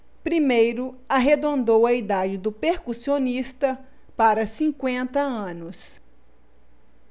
primeiro arredondou a idade do percussionista para cinquenta anos